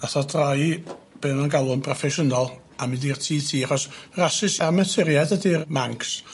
Nath o droi be o' nw'n galw'n broffesiynol a mynd i'r Tee Tee achos rasus amaturiad ydi'r Manx. Ie.